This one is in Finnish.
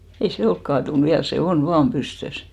ei se ole kaatunut vielä se on vain pystyssä